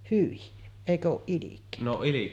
hyi eikö ole ilkeyttä